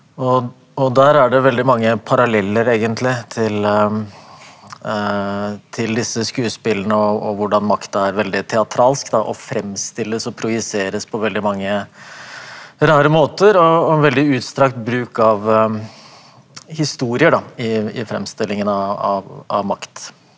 og og der er det veldig mange paralleller egentlig til til disse skuespillene og og hvordan makta er veldig teatralsk da og fremstilles og projiseres på veldig mange rare måter og og veldig utstrakt bruk av historier da i i fremstillingen av av av makt.